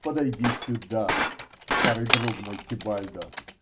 Подойди сюда, старый друг мой Тебальдо.